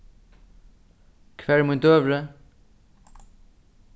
hvar er mín døgurði